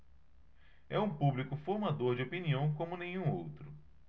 é um público formador de opinião como nenhum outro